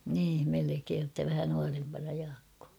niin melkein että vähän nuorempana Jaakko